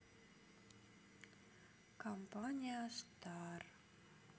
компания стар